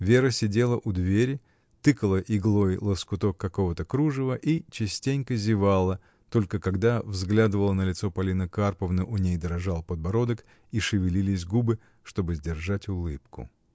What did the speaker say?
Вера сидела у двери, тыкала иглой лоскуток какого-то кружева и частенько зевала, только когда взглядывала на лицо Полины Карповны, у ней дрожал подбородок и шевелились губы, чтобы сдержать улыбку.